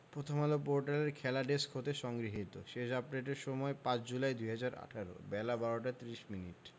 প্রথমআলো পোর্টালের খেলা ডেস্ক হতে সংগৃহীত শেষ আপডেটের সময় ৫ জুলাই ২০১৮ বেলা ১২টা ৩০মিনিট